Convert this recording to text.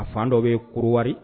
A fan dɔw bee Côte d'Ivoire